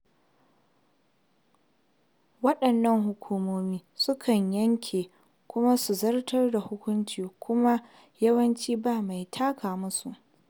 Waɗannan hukumomi su kan yanke kuma su zartar da hukunci kuma yawanci ba mai tanka musu.